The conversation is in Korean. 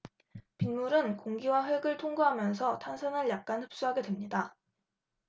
빗물은 공기와 흙을 통과하면서 탄산을 약간 흡수하게 됩니다